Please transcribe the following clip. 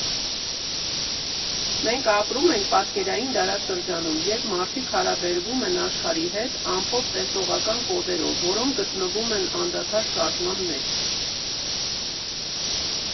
«Մենք ապրում ենք պատկերային դարաշրջանում, երբ մարդիկ հարաբերվում են աշխարհի հետ ամփոփ տեսողական կոդերով, որոնք գտնվում են անդադար շարժման մեջ։